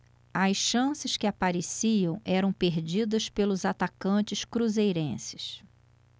as chances que apareciam eram perdidas pelos atacantes cruzeirenses